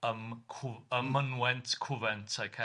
Yym cw- ym mynwent cwfent a'i cell.